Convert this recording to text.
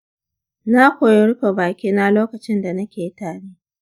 na koyi rufe bakina lokacin da nake tari.